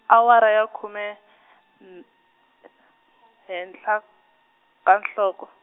awara ya khume , nn- henhla, ka nhloko.